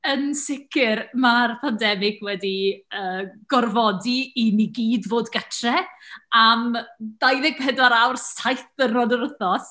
Yn sicr, ma'r pandemig wedi, yy, gorfodi i ni gyd fod gytre am dau ddeg pedwar awr, saith diwrnod yr wythnos.